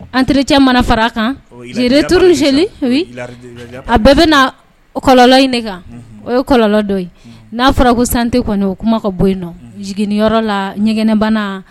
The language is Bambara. An tericɛ mana fara kanre tuurue a bɛɛ bɛna na kɔlɔ ɲini kan o ye kɔlɔ dɔ ye n'a fɔrakosante kɔni o kuma ka bon yen nɔn jyɔrɔ la ɲɛgɛnɛnɛbana